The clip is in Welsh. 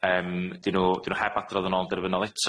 Yym 'dyn nw- 'dyn nw heb adrodd yn ôl derfynol eto,